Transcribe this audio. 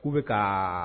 K'u bɛ taa